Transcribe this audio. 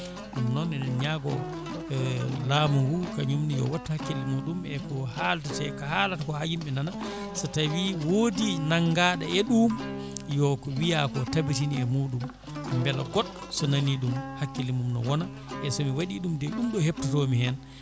ɗum noon enen ñango laamu ngu kañumne yo wattu hakkille muɗum e ko haaldete ko haalata ha yimɓe nana so tawi woodi naggaɗo e ɗum yo ko wiiya ko tabitine e muɗum beela goɗɗo so nani ɗum hakkille mum ne woona e somi waɗi ɗum de ɗum ɗo heptotomi hen